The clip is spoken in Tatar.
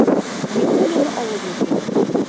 Микулино авыл җирлеге